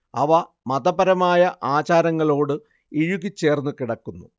അവ മതപരമായ ആചാരങ്ങളോട് ഇഴുകിച്ചേർന്നു കിടക്കുന്നു